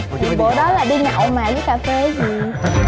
bữa đó là đi nhậu mà uống cà phê cái gì